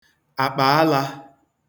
àkpàalā